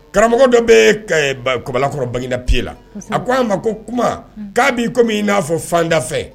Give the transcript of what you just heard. Karamɔgɔ dɔ bee kɛɛ ba Kɔbalakɔrɔ Banginda pieds la kosɛbɛ a ko a ma ko kuma un k'a bi comme i n'a fɔ fanda fɛn